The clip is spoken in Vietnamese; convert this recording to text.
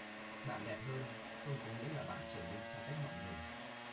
bạn đẹp hơn không có nghĩa là bạn trở nên xa cách mọi người